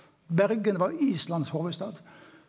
Bergen var Islands hovudstad.